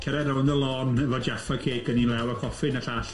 Cerdda rownd y lôn efo Jaffa cake yn un lawr a coffi yn y llall.